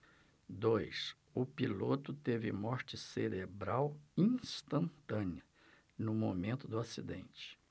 dois o piloto teve morte cerebral instantânea no momento do acidente